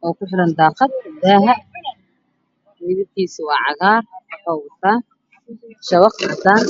Ku xiran daaqad o kaleerkiisu caddaan wuxuu wataa shabaab ku xiran daaqada ha